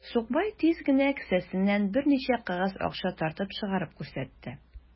Сукбай тиз генә кесәсеннән берничә кәгазь акча тартып чыгарып күрсәтте.